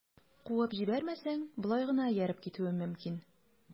Куып җибәрмәсәң, болай гына ияреп китүем мөмкин...